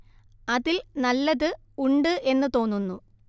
അതിൽ നല്ലത് ഉണ്ട് എന്ന് തോന്നുന്നു